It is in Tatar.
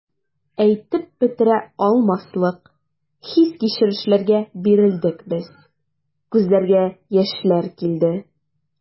Әйтеп бетерә алмаслык хис-кичерешләргә бирелдек без, күзләргә яшьләр килде.